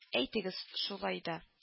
Әйтегез шулай да